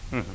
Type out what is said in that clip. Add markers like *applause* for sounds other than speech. *hesitation* *hesitation*